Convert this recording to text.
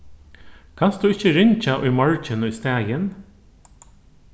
kanst tú ikki ringja í morgin í staðin